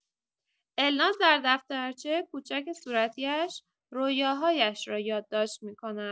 الناز در دفترچه کوچک صورتی‌اش رویاهایش را یادداشت می‌کند.